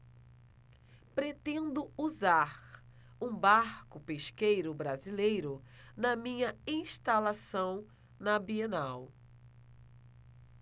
pretendo usar um barco pesqueiro brasileiro na minha instalação na bienal